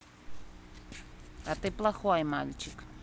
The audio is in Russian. а ты плохой мальчик